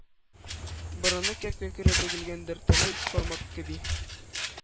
Борыны кәп-кәкре — бөгелгәндер тәмам кармак кеби;